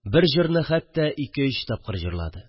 Бер җырны хәттә ике-өч тапкыр җырлады